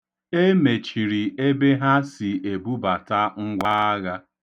E mechiri ebe ha si ebubata ngwaagha.